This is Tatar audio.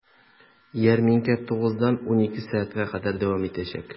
Ярминкә 9 дан 12 сәгатькә кадәр дәвам итәчәк.